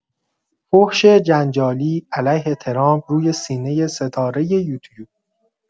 فحش جنجالی علیه ترامپ روی سینه ستاره یوتیوب